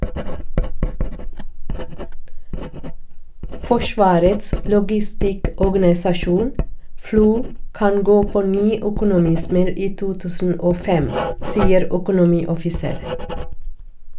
Forsvarets logistikkorganisasjon (FLO) kan gå på ny økonomismell i 2005, sier økonomioffiser.